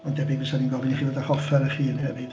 mae'n debyg fysa ni'n gofyn i chi ddod â'ch offer eich hun hefyd.